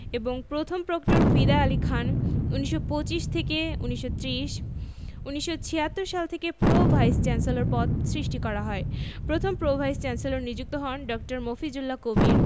এবং প্রথম প্রক্টর ফিদা আলী খান ১৯২৫ ১৯৩০ ১৯৭৬ সাল থেকে প্রো ভাইস চ্যান্সেলর পদ সৃষ্টি করা হয় প্রথম প্রো ভাইস চ্যান্সেলর নিযুক্ত হন ড. মফিজুল্লাহ কবির